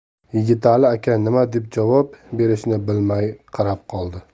yigitali aka nima deb javob berishini bilmay qarab qoldi